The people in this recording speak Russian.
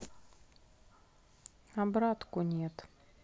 обратку нет